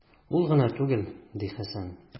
Ул гына түгел, - ди Хәсән.